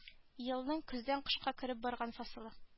Елның көздән кышка кереп барган фасылы